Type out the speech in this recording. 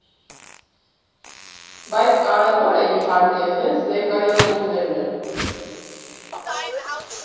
Բայց կարևորը, իհարկե, հենց ներկայացումներն են.